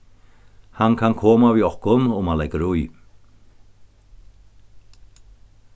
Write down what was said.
hann kann koma við okkum um hann leggur í